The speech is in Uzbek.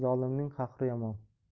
zolimning qahri yomon